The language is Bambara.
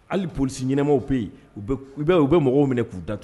Hali polisi ɲɛnamaw bɛ yen u u u bɛ mɔgɔw minɛ k'u datu